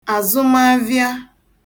àzụmavịa